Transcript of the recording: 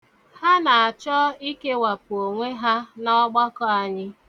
Ha na-achọ ikewapụ onwe ha n'ọgbakọ anyị.